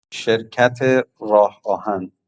شرکت راه‌آهن